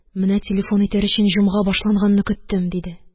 Менә телефон итәр өчен җомга башланганны көттем, – диде.